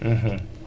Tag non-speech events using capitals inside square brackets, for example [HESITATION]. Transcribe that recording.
[HESITATION] [HESITATION]